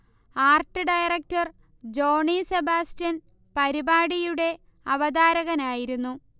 art director Johny Sebastian പരിപാടിയുടെ അവതാരകനായിരുന്നു